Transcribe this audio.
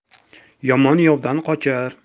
yomon yovdan qochar